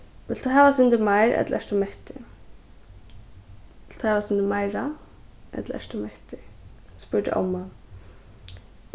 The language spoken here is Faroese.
vilt tú hava eitt sindur meir ella ert tú mettur vilt tú hava eitt sindur meira ella ert tú mettur spurdi omma